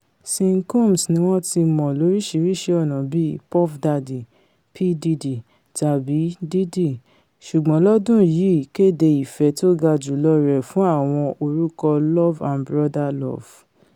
Sean Combs ni wọń ti mọ lóríṣiríṣi ọ̀nà bíi Puff Daddy, P. Diddy tàbí Diddy, ṣùgbọn lọ́dún yìí kéde ìfẹ́ tóga jùlọ rẹ̀ fún àwọn orúkọ Love and Brother Love.